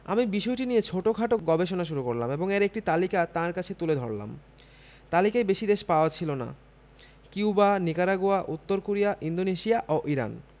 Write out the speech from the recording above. আমি বিষয়টি নিয়ে ছোটখাটো গবেষণা শুরু করলাম এবং এর একটি তালিকা তাঁর কাছে তুলে ধরলাম তালিকায় বেশি দেশ পাওয়া ছিল না কিউবা নিকারাগুয়া উত্তর কোরিয়া ইন্দোনেশিয়া ও ইরান